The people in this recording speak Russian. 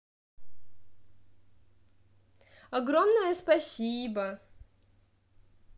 огромное спасибо